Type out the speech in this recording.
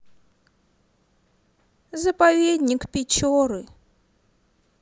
заповедник печоры